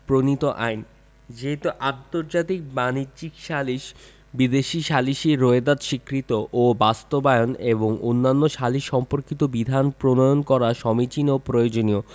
প্রণীত আইন যেইহেতু আন্তর্জাতিক বাণিজ্যিক সালিস বিদেশী সালিসী রোয়েদাদ স্বীকৃত ও বাস্তবায়ন এবং অন্যান্য সালিস সম্পর্কিত বিধান প্রণয়ন করা সমীচীন ও প্রয়োজনীয়